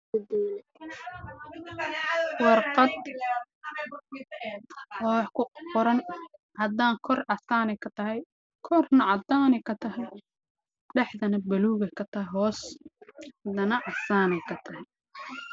Waraaqad wax kuqoran kor cadaan ay katahay